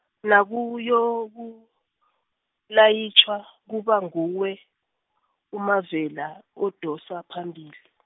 nakuyokulayitjhwa, kuba nguye, uMavela, odosa, phambili.